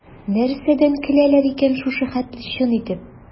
Нәрсәдән көләләр икән шушы хәтле чын итеп?